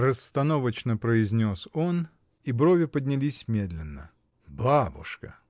— расстановочно произнес он, и брови поднялись медленно. — Бабушка!